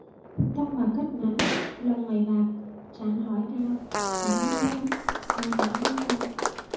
tóc bạc cắt ngắn lông mày bạc trán hói cao sống mũi lõm hai cánh mũi to